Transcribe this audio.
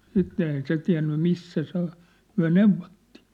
sitten ei se tiennyt missä se on me neuvottiin